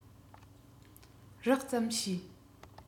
རགས ཙམ ཤེས